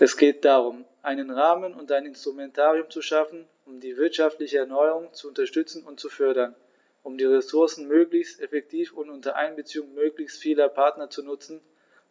Es geht darum, einen Rahmen und ein Instrumentarium zu schaffen, um die wirtschaftliche Erneuerung zu unterstützen und zu fördern, um die Ressourcen möglichst effektiv und unter Einbeziehung möglichst vieler Partner zu nutzen